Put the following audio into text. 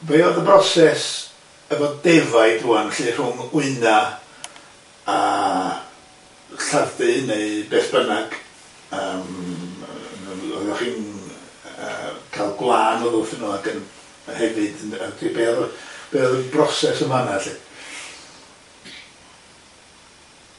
be o'dd y broses efo defaid ŵan 'lly rhwng wyna a lladd-dy neu beth bynnag yym o'dda chi yn yym ca'l gwlân o'rwth yn n'w ac hefyd yn yndy be oedd y be oedd y broses yn fan 'na 'lly?